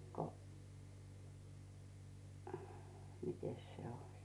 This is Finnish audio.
kun mitenkäs se oli